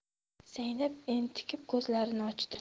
zaynab entikib ko'zlarini ochdi